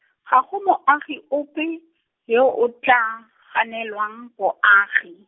ga go moagi ope, yo o tla, ganelwang, boagi.